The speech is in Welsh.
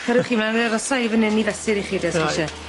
Cariwch chi mlaen mi arosai i fyn 'yn i fesur i chi de os chi isie. Reit.